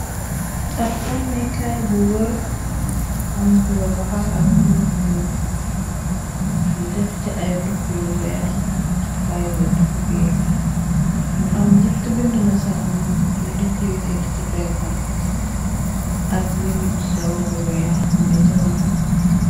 Ab xamekaay bu wër am bulo baxa ak mbulo bu nu nu def ci ay tukp yu weex ak ay rëdd ci biira mu am gñett bind na saraan yu dijj yu nekk ci peggal ak bind bu sew bu weex bu necoroon.